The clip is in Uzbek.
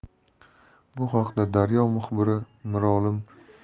bu haqda daryo muxbiri